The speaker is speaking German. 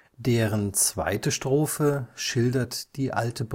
Deren zweite Strophe schildert die Alte